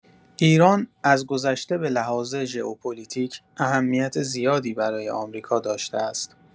ایران از گذشته به لحاظ ژئوپولیتیک اهمیت زیادی برای آمریکا داشته است.